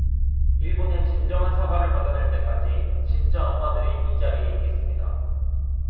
일본의 진정한 사과를 받아낼 때까지 진짜 엄마들이 이 자리에 있겠습니다